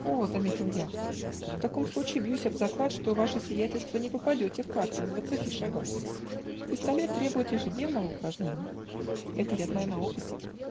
-- О, -- заметил я, -- в таком случае бьюсь об заклад, что ваше сиятельство не попадете в карту и в двадцати шагах: пистолет требует ежедневного упражнения. Это я знаю на опыте.